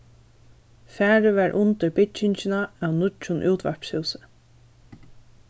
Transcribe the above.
farið varð undir byggingina av nýggjum útvarpshúsi